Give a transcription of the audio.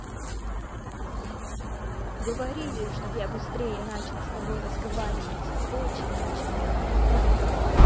говорили чтоб я быстрее начал с тобой разговаривать очень начала